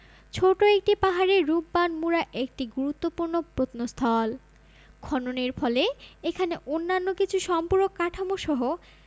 ছোট একটি পাহাড়ে রূপবান মুড়া একটি গুরুত্বপূর্ণ প্রত্নস্থল খননের ফলে এখানে অন্যান্য কিছু সম্পূরক কাঠামোসহ